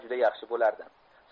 juda yaxshi bo'lardi